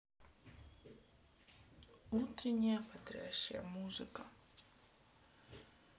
утренняя бодрящая музыка